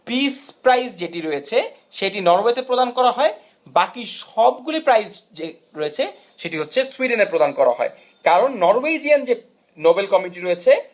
piece prize যেটি রয়েছে সেটি নরওয়েতে প্রদান করা হয় বাকি সবগুলি প্রাইস যে রয়েছে সেটি হচ্ছে সুইডেনে প্রদান করা হয় কারণ নরওয়েজিয়ান যে নোবেল কমিটি রয়েছে